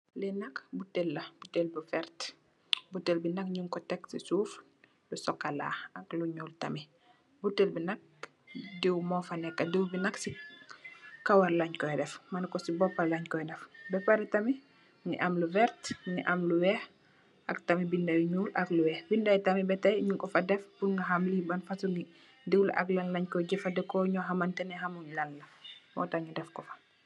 Li nak buteel la, buteel bu vert. Buteel bi nak nung ko tekk ci suuf fu sokola ak lu ñuul tamit, buteel bi nak dëw mo fa nekka. Diiw bi nak ci kawar leen koy deff, manè ko ci boppa leen koy deff. Bè parè tamit mungi am lu vert, mungi am lu weeh ak tamit binda yu ñuul ak lu weeh. Binda yi tamit bè tayè nung ko fa deff purr ngaham li ban fasung diw la ak lan leen koy jafadeko nyo hamantene ham mun lan la mu tah nu deff ko fa.